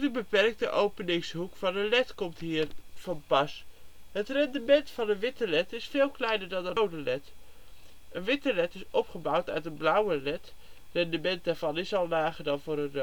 beperkte openingshoek van een led komt hier van pas. Het rendement van een witte led is veel kleiner dan dat van een rode LED: een witte led is opgebouwd uit een blauwe led (rendement daarvan is al lager dan voor